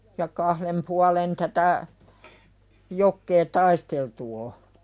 ja kahden puolen tätä jokea taisteltu on